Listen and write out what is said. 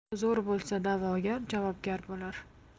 o'g'ri zo'r bo'lsa da'vogar javobgar bo'lar